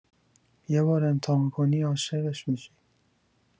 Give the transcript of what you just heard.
یه بار امتحان کنی عاشقش می‌شی!